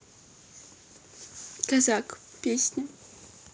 казак песня